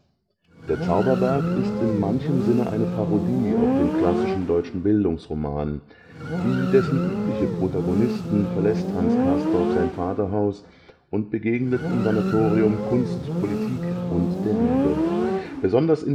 Der Zauberberg ist in manchem Sinne eine Parodie auf den klassischen deutschen Bildungsroman. Wie dessen übliche Protagonisten verlässt Hans Castorp sein Vaterhaus und begegnet im Sanatorium Kunst, Politik und der Liebe. Besonders